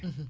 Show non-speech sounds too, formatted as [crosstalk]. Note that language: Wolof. [hesitation] [hesitation]